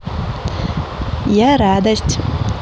я радость